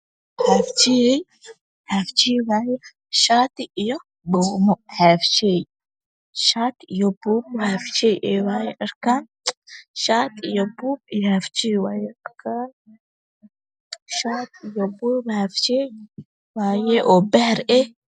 Haaf jeey wayo wana shaati iyo buumo haf jeey ah weeye dharkaan oo beer ah